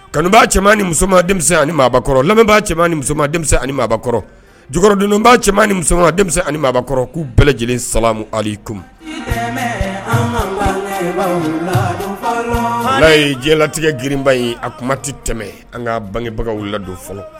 Kanuba cɛman ni musoman denmisɛnnin ani mabɔkɔrɔ lamɛnba cɛ ni musomanma denmisɛnnin ani mabɔkɔrɔ jdba cɛ ni musoman denmisɛnnin ni mabɔkɔrɔ'u bɛɛ lajɛlen samu ali kun ye diɲɛ latigɛ grinba in a kumati tɛmɛ an ka bangebaga don fɔlɔ